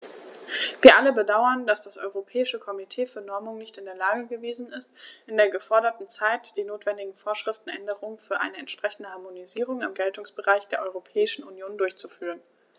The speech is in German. Wir alle bedauern, dass das Europäische Komitee für Normung nicht in der Lage gewesen ist, in der geforderten Zeit die notwendige Vorschriftenänderung für eine entsprechende Harmonisierung im Geltungsbereich der Europäischen Union durchzuführen.